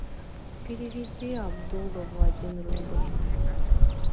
переведи абдулову один рубль